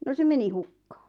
no se meni hukkaan